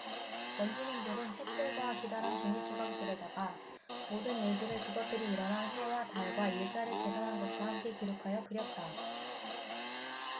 원주민들은 책들과 기다란 종잇조각들에다가 모든 일들을 그것들이 일어난 해와 달과 일자를 계산한 것과 함께 기록하여 그렸다